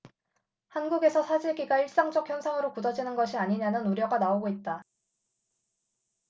한국에서 사재기가 일상적 현상으로 굳어지는 것이 아니냐는 우려가 나오고 있다